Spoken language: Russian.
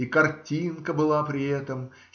И картинка была при этом